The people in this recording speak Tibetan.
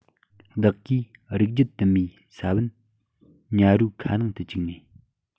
བདག གིས རིགས རྒྱུད དུ མའི ས བོན ཉ རོའི ཁ ནང དུ བཅུག ནས